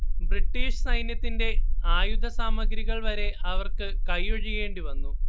British സൈന്യത്തിന്റെ ആയുധസാമഗ്രികൾ വരെ അവർക്ക് കൈയ്യൊഴിയേണ്ടി വന്നു